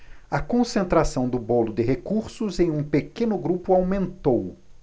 a concentração do bolo de recursos em um pequeno grupo aumentou